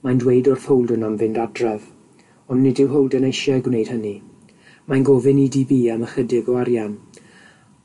Mae'n dweud wrth Holden am fynd adref, ond nid yw Holden eisiau gwneud hynny. Mae'n gofyn i Di Bi am ychydig o arian